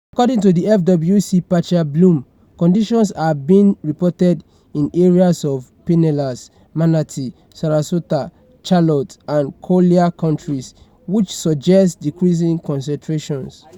According to the FWC, patchier bloom conditions are being reported in areas of Pinellas, Manatee, Sarasota, Charlotte and Collier counties - which suggests decreasing concentrations.